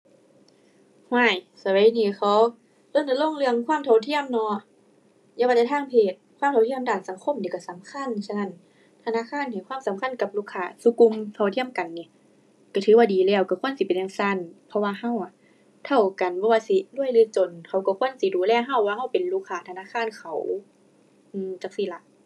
ฮ้วย สมัยนี้เขารณรงค์เรื่องความเท่าเทียมเนาะ อย่าว่าแต่ทางเพศ ความเท่าเทียมด้านสังคมนี้ก็สำคัญ ฉะนั้น ธนาคารให้ความสำคัญกับลูกค้าซุกลุ่มเท่าเทียมกันนี่ ก็ถือว่าดีแล้ว ก็ควรสิเป็นจั่งซั้น เพราะว่าก็อะ เท่ากันบ่ว่าสิรวยหรือจน เขาก็ควรสิดูแลก็ว่าก็เป็นลูกค้าธนาคารเขา อือ จั่งซี้ล่ะ